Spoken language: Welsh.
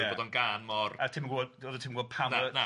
bod o'n gân mor. A ti'm yn gwybod, oeddet ti'm yn gwybod pam na, na, na.